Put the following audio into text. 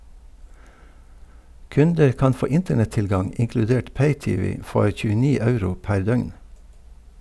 Kunder kan få internett-tilgang inkludert pay-tv for 29 euro per døgn.